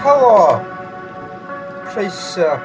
Helo! Croeso.